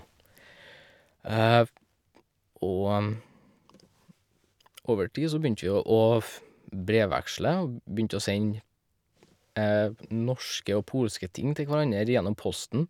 Og over tid så begynte vi å å f brevveksle, og begynte å sende norske og polske ting til hverandre gjennom posten.